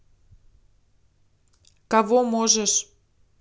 кого можешь